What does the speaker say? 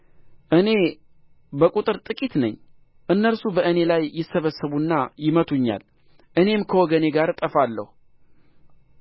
እኔ በቍጥር ጥቂት ነኝ እነርሱ በእኔ ላይ ይሰበሰቡና ይመቱኛል እኔም ከወገኔ ጋር እጠፋለሁ